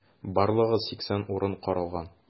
Барлыгы 80 урын каралган.